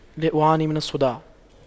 لا أعاني من الصداع